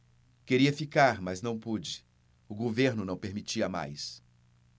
queria ficar mas não pude o governo não permitia mais